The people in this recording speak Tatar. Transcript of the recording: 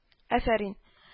Афәрин